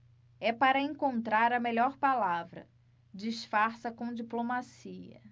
é para encontrar a melhor palavra disfarça com diplomacia